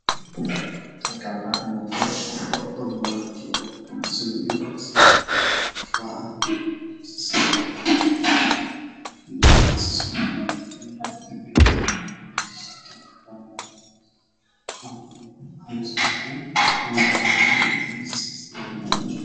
meeshaan waxaa ka muuqdo suuq kaas oo das badan ka adeeganayaan